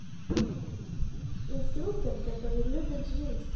инструктор который любит жить